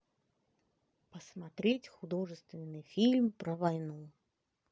посмотреть художественный фильм про войну